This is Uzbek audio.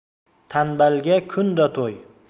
tanbalga kunda to'y